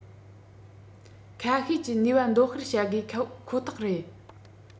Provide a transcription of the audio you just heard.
ཁ ཤས ཀྱི ནུས པ འདོན སྤེལ བྱ དགོས ཁོ ཐག རེད